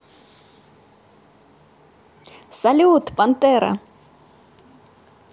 салют пантера